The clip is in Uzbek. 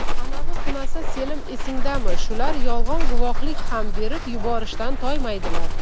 anavi xunasa selim esingdami shular yolg'on guvohlik ham berib yuborishdan toymaydilar